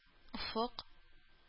Офык